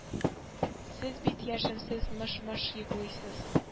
Сез бит яшәмисез мыш-мыш йоклыйсыз